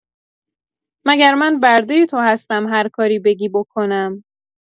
مگر من برده تو هستم هر کاری بگی بکنم